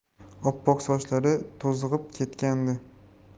oppoq sochlari to'zg'ib ketgandi